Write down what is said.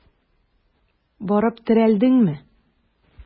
Барып терәлдеңме?